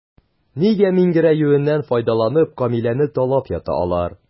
Нигә миңгерәюеннән файдаланып, Камиләне талап ята алар?